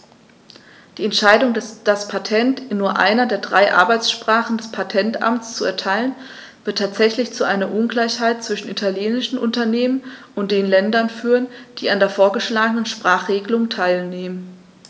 Die Entscheidung, das Patent in nur einer der drei Arbeitssprachen des Patentamts zu erteilen, wird tatsächlich zu einer Ungleichheit zwischen italienischen Unternehmen und den Ländern führen, die an der vorgeschlagenen Sprachregelung teilnehmen.